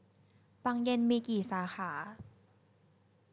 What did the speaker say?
ปังเย็นมีกี่สาขา